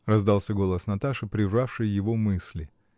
— раздался голос Наташи, прервавший его мысли.